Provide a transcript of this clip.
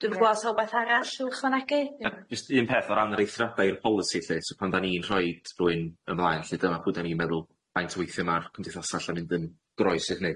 Dwi'm yn gwel' sa wbath arall i'w ychwanegu? Yym jyst un peth o ran yr eithriadau i'r bolisi lly so pan dan ni'n rhoid rywun ymlaen lly dyma pwy dan ni'n meddwl faint o weithie ma'r cymdeithasa allan mynd yn groes i hynny.